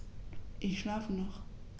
Ich schlafe noch.